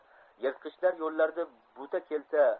yirtqichlar yo'llarida buta kelsa